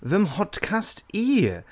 Fy mhodcast i.